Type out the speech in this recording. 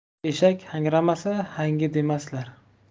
eshak hangramasa hangi demaslar